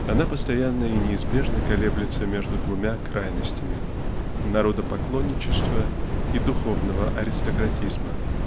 она постоянно и неизбежно колеблется между двумя крайностями -- народопоклонничества и духовного аристократизма.